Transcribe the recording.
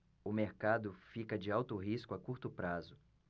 o mercado fica de alto risco a curto prazo